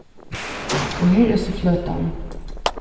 og her er so fløtan